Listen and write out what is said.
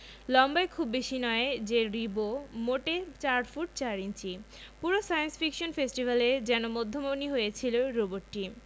লম্বায় খুব বেশি নয় যে রিবো মোটে ৪ ফুট ৪ ইঞ্চি পুরো সায়েন্স ফিকশন ফেস্টিভ্যালে যেন মধ্যমণি হয়েছিল রোবটটি